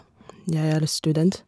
Jeg er student.